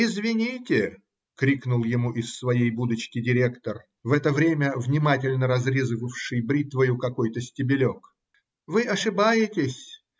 – Извините, – крикнул ему из своей будочки директор, в это время внимательно разрезывавший бритвою какой-то стебелек, – вы ошибаетесь.